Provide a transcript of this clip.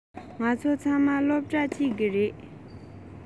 ང ཚོ ཚང མ སློབ གྲྭ གཅིག གི རེད